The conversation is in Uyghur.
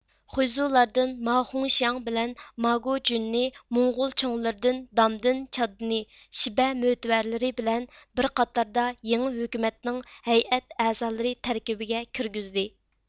خۇيزۇلاردىن ماخۇڭشياڭ بىلەن ماگوجۈننى موڭغۇل چوڭلىرىدىن دامدىن چادنى شىبە مۆتىۋەرلىرى بىلەن بىر قاتاردا يېڭى ھۆكۈمەتنىڭ ھەيئەت ئەزالىرى تەركىبىگە كىرگۈزدى